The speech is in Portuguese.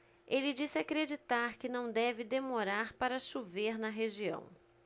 ele disse acreditar que não deve demorar para chover na região